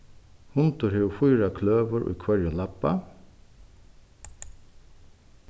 hundur hevur fýra kløur í hvørjum labba